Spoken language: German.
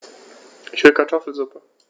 Ich will Kartoffelsuppe.